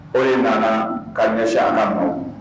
O ye nana ka ɲɛ an na nɔ